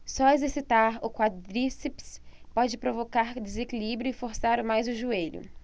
só exercitar o quadríceps pode provocar desequilíbrio e forçar mais o joelho